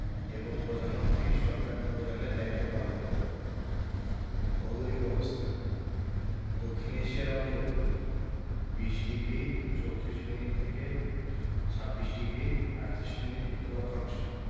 এবং প্রধানমন্ত্রী সরকার পধানের দায়িত্ব পালন করেন ভৌগোলিক অবস্থানঃ দক্ষিণ এশিয়ার অন্তর্ভুক্ত ২০ডিগ্রি ৩৪ মিনিট থেকে ২৬ ডিগ্রি ৩৮ মিনিট উত্তর অক্ষাংশ